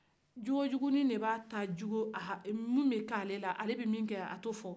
jogojuguni de bɛ mɔgɔ ka jogo fɔ ale bɛ mun kɛ a tɛ o fɔ